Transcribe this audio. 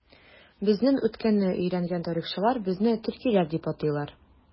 Безнең үткәнне өйрәнгән тарихчылар безне төркиләр дип атыйлар.